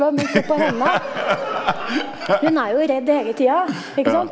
ja.